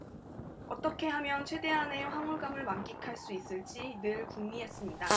어떻게 하면 최대한의 황홀감을 만끽할 수 있을지 늘 궁리했습니다